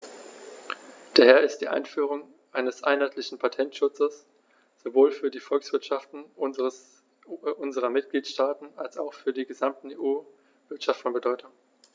Daher ist die Einführung eines einheitlichen Patentschutzes sowohl für die Volkswirtschaften unserer Mitgliedstaaten als auch für die gesamte EU-Wirtschaft von Bedeutung.